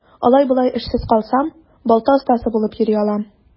Алай-болай эшсез калсам, балта остасы булып йөри алам.